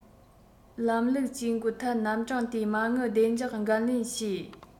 ལམ ལུགས ཇུས འགོད ཐད རྣམ གྲངས དེའི མ དངུལ བདེ འཇགས འགན ལེན བྱེད